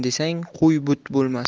desang qo'y but bo'lmas